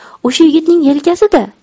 o'sha yigitning yelkasi da